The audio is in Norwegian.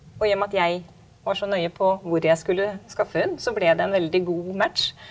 og i og med at jeg var så nøye på hvor jeg skulle skaffe hund så ble det en veldig god match.